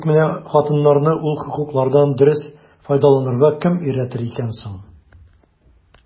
Тик менә хатыннарны ул хокуклардан дөрес файдаланырга кем өйрәтер икән соң?